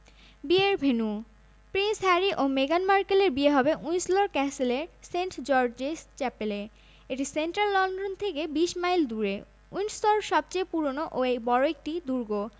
মাথা ঘুরিয়েছিলেন এ বছর কান চলচ্চিত্র উৎসবে ঐশ্বরিয়া ১৭তম বছর পালন করলেন ভারতীয় প্যাভিলিয়নে যখন শ্যানন আর আমি এক সাংবাদিক বন্ধুর সাথে বসে গল্প করছি